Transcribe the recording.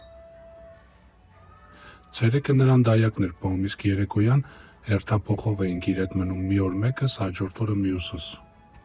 Ցերեկը նրան դայակն էր պահում, իսկ երեկոյան հերթափոխով էինք իր հետ մնում՝ մի օր մեկս, հաջորդ օրը մյուսս։